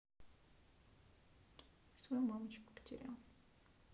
свою мамочку потерял